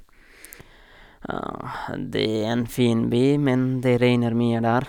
Det er en fin by, men det regner mye der.